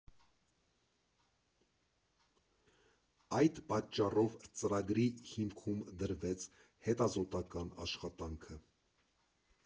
Այդ պատճառով ծրագրի հիմքում դրվեց հետազոտական աշխատանքը։